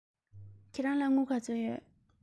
ཁྱེད རང ལ དངུལ ག ཚོད ཡོད